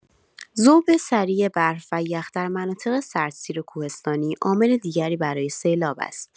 ذوب سریع برف و یخ در مناطق سردسیر و کوهستانی عامل دیگری برای سیلاب است.